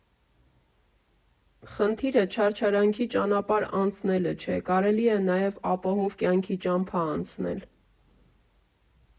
֊ Խնդիրը չարչարանքի ճանապարհ անցնելը չէ, կարելի է նաև ապահով կյանքի ճամփա անցնել։